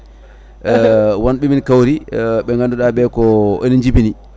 e won ɗomin kawri e ɓe ganduɗa ɓe ko ene jibini